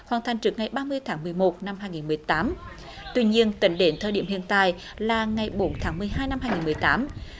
hoàn thành trước ngày ba mươi tháng mười một năm hai nghìn mười tám tuy nhiên tính đến thời điểm hiện tại là ngày bốn tháng mười hai năm hai nghìn mười tám